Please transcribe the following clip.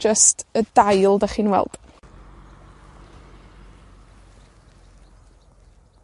Jyst y dail 'dach chi'n weld.